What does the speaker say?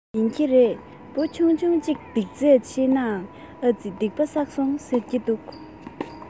ཡིན གྱི རེད འབུ ཆུང ཆུང ཅིག རྡོག རྫིས ཤོར ནའི ཨ རྩི སྡིག པ བསགས སོང ཟེར གྱི འདུག